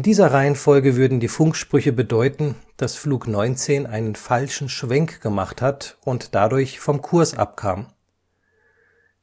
dieser Reihenfolge würden die Funksprüche bedeuten, dass Flug 19 einen falschen Schwenk gemacht hat und dadurch vom Kurs abkam.